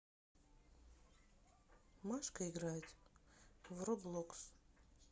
машка играет в роблокс